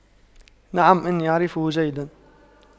نعم إني أعرفه جيدا